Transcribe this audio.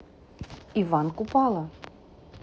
иван купала